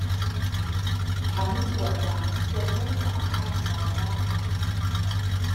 ฉันปวดหลังจนไม่สามารถนอนได้